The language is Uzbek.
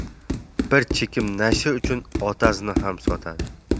bir chekim nasha uchun otasini ham sotadi